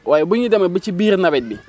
waaye bu ñu demee ba ci biir nawet bi